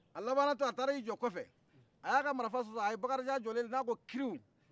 a labanna sa a taar'i jɔ kɔfɛ a y'aka marafa susu a ye bakarijan jɔlen to n'a ko kiriiuuu